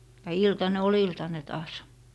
ja iltanen oli iltanen taas